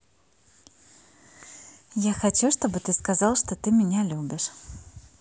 я хочу чтобы ты сказал что ты меня любишь